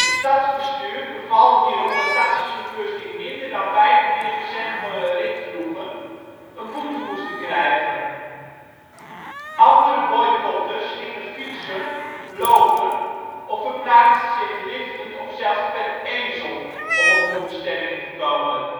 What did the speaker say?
stadsbestuur beval hierop dat taxichauffeurs die minder dan 45 cent voor een rit vroegen een boete moesten krijgen. Andere boycotters gingen fietsen, lopen of verplaatsten zich liftend of zelfs per ezel om op hun bestemming te komen